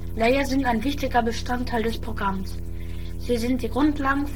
Layer sind ein wichtiger Bestandteil des Programmes. Sie sind die Grundlagen